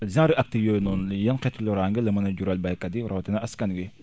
genre actes yooyu noonu léegi yan xeetu loraange la mën a jural baykat yi rawatina askan wi